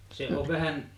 se on vähän